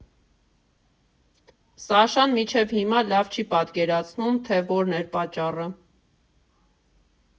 Սաշան մինչև հիմա լավ չի պատկերացնում, թե որն էր պատճառը.